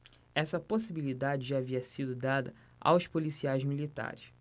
essa possibilidade já havia sido dada aos policiais militares